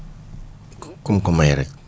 ku ku mu ko may rek